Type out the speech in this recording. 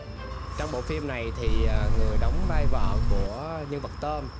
trong bộ phim này thì ờ người đóng vai vợ của nhân vật tôm